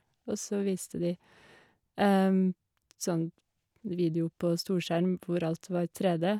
Og så viste de sånn video på storskjerm hvor alt var 3D.